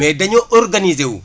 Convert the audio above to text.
mais ;dea dañoo organiser wu